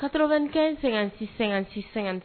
Katokɛ sɛgɛn--g